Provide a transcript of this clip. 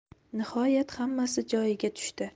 nihoyat hammasi joyiga tushdi